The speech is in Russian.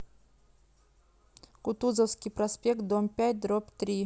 кутузовский проспект дом пять дробь три